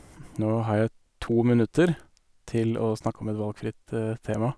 Nå har jeg to minutter til å snakke om et valgfritt tema.